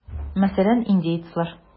Мәсәлән, индеецлар.